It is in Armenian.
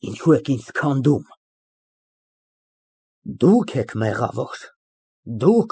Ինչո՞ւ եք ինձ քանդում։ Դուք եք մեղավոր, որ։